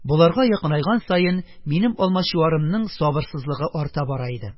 Боларга якынайган саен, минем Алмачуарымның сабырсызлыгы арта бара иде.